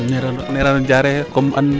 Nerano Diarekh comme an